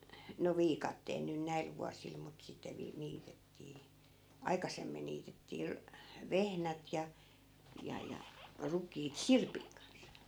no viikatteella nyt näillä vuosilla mutta sitten - niitettiin aikaisemmin niitettiin - vehnät ja ja ja rukiit sirpin kanssa